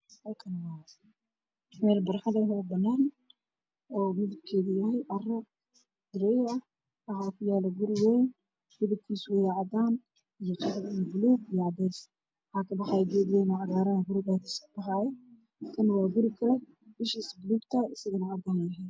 Meeshaan waa waddo waa meel biyo fadhiyaan biyo wasaq ah waxaa ku yaala guryo buluug ah